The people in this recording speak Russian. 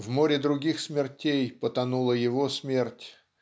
В море других смертей потонула его смерть